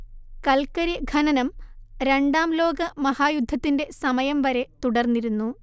കൽക്കരി ഖനനം രണ്ടാം ലോകമഹായുദ്ധത്തിന്റെ സമയം വരെ തുടർന്നിരുന്നു